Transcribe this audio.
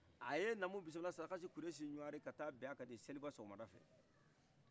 a ye naamubisimila surakassi ɲɔɔri ka taa bin a kan de selibasɔgɔmada fɛ